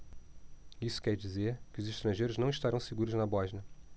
isso quer dizer que os estrangeiros não estarão seguros na bósnia